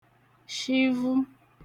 shịvu